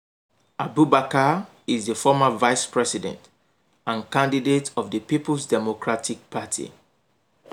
Abubakar is the former vice president and candidate of the Peoples Democratic Party.